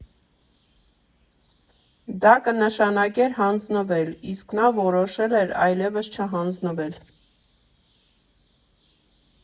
Դա կնշանակեր հանձնվել, իսկ նա որոշել էր այլևս չհանձնվել։